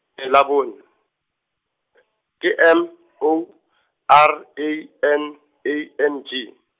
e Labone , ke M O R A N, A N G.